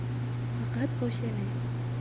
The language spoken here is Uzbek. faqat bosh yalang